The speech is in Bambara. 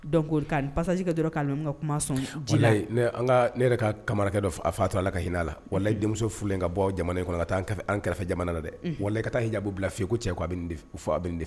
ka ni passage kɛ dɔrɔn ka ninnu ka kuma sɔn jila walayi ne yɛrɛ ka dɔ a fatura Ala ka hinɛ la walayi denmuso furulen ka bɔ jamana in kɔnɔ ka taa an kɛrɛfɛ jamana na dɛ walayi ka taa hijabu bila ko cɛ ko a bɛ nin de fɛ